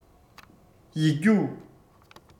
ཡིག རྒྱུགས